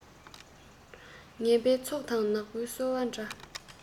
ངན པའི ཚོགས དང ནག པོའི སོལ བ འདྲ